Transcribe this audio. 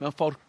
mewn ffor'